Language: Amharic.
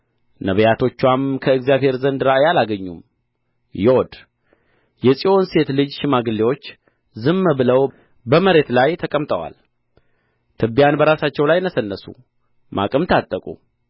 ነቢያቶቻዋም ከእግዚአብሔር ዘንድ ራእይ አላገኙም ዮድ የጽዮን ሴት ልጅ ሽማግሌዎች ዝም ብለው በመሬት ላይ ተቀምጠዋል ትቢያን በራሳቸው ላይ ነሰነሱ ማቅም ታጠቁ